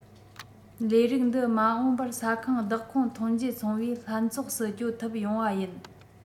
ལས རིགས འདི མ འོངས པར ས ཁང བདག ཁོངས ཐོན འབྱེད ཚོང པས ལྷན ཚོགས སུ སྐྱོད ཐུབ ཡོང པ ཡིན